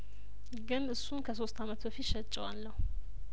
ግን እሱን ከሶስት አመት በፊት ሸጬዋለሁ